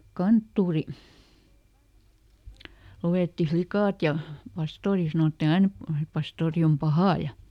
kanttori luetti likat ja pastori sanottiin aina että pastori on paha ja